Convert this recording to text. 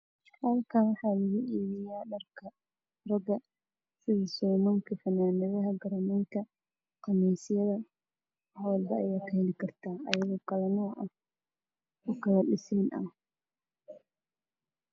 Halkaan waxaa yaalo armaajo oo tobonley ah waxaa saaran